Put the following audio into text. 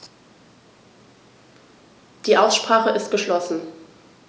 Die Aussprache ist geschlossen.